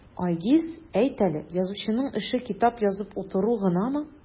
Айгиз, әйт әле, язучының эше китап язып утыру гынамы?